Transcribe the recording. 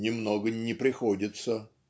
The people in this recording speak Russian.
- Немного не приходится".